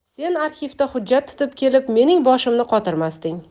sen arxivda hujjat titib kelib mening boshimni qotirmasding